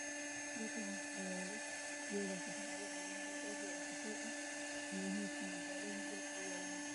Waa sawir farshaxan waa ku sawiran yahay geed caleemo la-aan ah go-a midabkiisa waa caddaan iyo midabo kale oo isku jiro